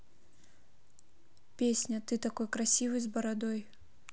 песня ты такой красивый с бородой